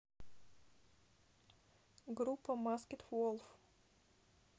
группа masked wolf